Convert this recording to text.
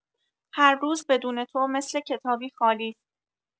هر روز بدون تو مثل کتابی خالی ست.